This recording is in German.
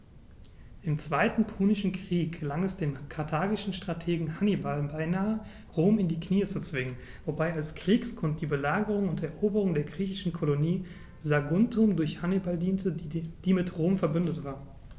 Im Zweiten Punischen Krieg gelang es dem karthagischen Strategen Hannibal beinahe, Rom in die Knie zu zwingen, wobei als Kriegsgrund die Belagerung und Eroberung der griechischen Kolonie Saguntum durch Hannibal diente, die mit Rom „verbündet“ war.